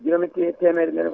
juróomi tée téeméeri nen